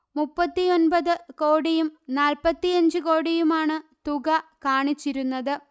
മുപ്പത്തിയൊന്പത് കോടിയും നാല്പ്പത്തിയഞ്ച് കോടിയുമാണ് തുക കാണിച്ചിരുന്നത്